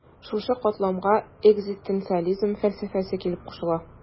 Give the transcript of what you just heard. Шушы катламга экзистенциализм фәлсәфәсе килеп кушыла.